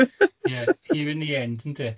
Ie, here in the end, ynde?